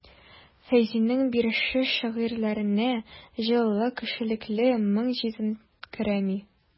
Фәйзинең берише шигырьләренә җылылык, кешелекле моң җитенкерәми.